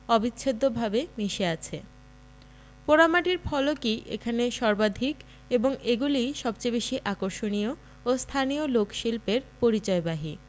অবিচ্ছেদ্যভাবে মিশে আছে পোড়ামাটির ফলকই এখানে সর্বাধিক এবং এগুলিই সবচেয়ে আকর্ষণীয় ও স্থানীয় লোকশিল্পের পরিচয়বাহী